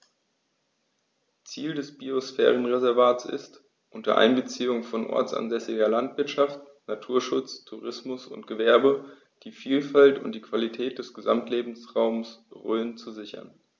Ziel dieses Biosphärenreservates ist, unter Einbeziehung von ortsansässiger Landwirtschaft, Naturschutz, Tourismus und Gewerbe die Vielfalt und die Qualität des Gesamtlebensraumes Rhön zu sichern.